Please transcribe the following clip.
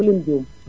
ku lim juum